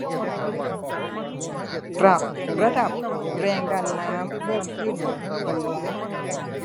ปรับระดับแรงดันน้ำเพิ่มขึ้น